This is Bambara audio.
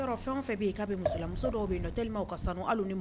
Fɛn dɔw